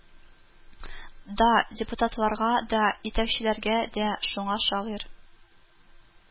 Да, депутатларга да, итәкчеләргә дә, шуңа шагыйрь